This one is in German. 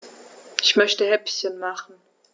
Ich möchte Häppchen machen.